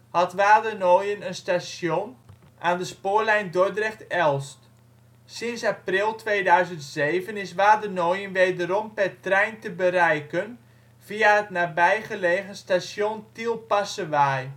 had Wadenoijen een station aan de spoorlijn Dordrecht-Elst. Sinds april 2007 is Wadenoijen wederom per trein te bereiken via het nabij gelegen Station Tiel Passewaaij. Nabij het